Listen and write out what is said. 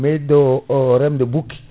meɗiɗo remde bukki